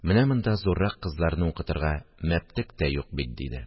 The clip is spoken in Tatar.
Менә монда зуррак кызларны укытырга мәптек тә юк бит! – диде